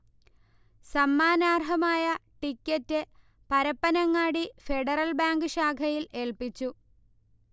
സമ്മാനർഹമായ ticket Parappanangadi Federal Bank ശാഖയിൽ ഏൽപിച്ചു